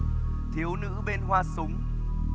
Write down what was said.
thiếu nữ bên hoa súng